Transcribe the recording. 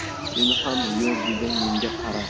sen ham yur dedi menga qarab